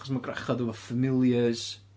Achos mae gwrachod efo familiars...